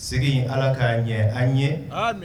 Sigi in Ala k'a ɲɛ an ye. Ami!